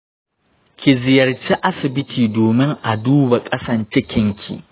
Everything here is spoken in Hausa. ki ziyarci asibiti domin a duba ƙasan cikinki